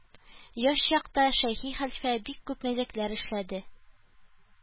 Яшь чакта Шәйхи хәлфә бик күп мәзәкләр эшләде